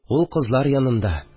Ул кызлар янында